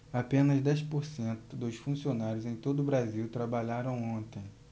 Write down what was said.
apenas dez por cento dos funcionários em todo brasil trabalharam ontem